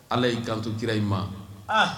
Ala y'i kanto kira in ma